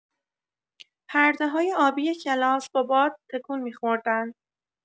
پرده‌های آبی کلاس با باد تکون می‌خوردن.